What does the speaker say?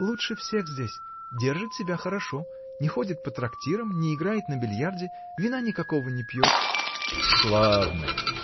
Лучше всех здесь: держит себя хорошо, не ходит по трактирам, не играет на бильярде, вина никакого не пьет. — Славный!